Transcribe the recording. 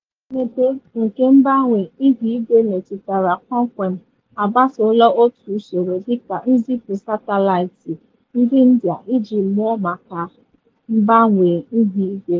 Obodo ndị na-emepe emepe nke mgbanwe ihuigwe metụtara kpọmkwem, agbasola otu usoro dịka nzipụ satịlaịtị ndị India iji mụọ maka mgbanwe ihuigwe.